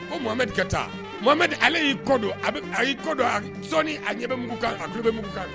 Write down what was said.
Ko ma ka taa ale y'i kɔdo a a y'i kɔdo a sɔ a ɲɛ bɛ mugu kan a bɛ mugu kan